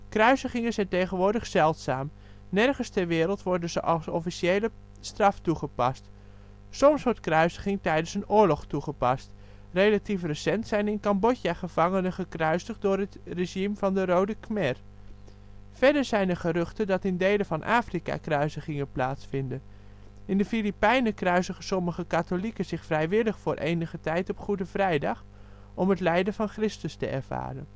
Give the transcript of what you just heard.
Kruisigingen zijn tegenwoordig zeldzaam. Nergens ter wereld worden ze als officiële straf toegepast. Soms wordt kruisiging tijdens een oorlog toegepast. Relatief recent zijn in Cambodja gevangenen gekruisigd door het regime van de Rode Khmer. Verder zijn er geruchten dat in delen van Afrika kruisigingen plaatsvinden. In de Filippijnen kruisigen sommige katholieken zich vrijwillig voor enige tijd op Goede Vrijdag, om het lijden van Christus te ervaren